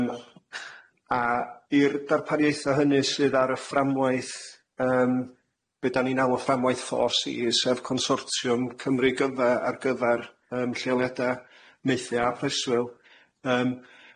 Yym a i'r darpariaethe hynny sydd ar y fframwaith yym be 'dan ni'n alw'r fframwaith Four Sees sef consortiwm Cymru gyfa ar gyfar yym lleoliada maethu e a preswyl yym